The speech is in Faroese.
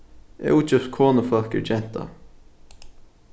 ógift konufólk er genta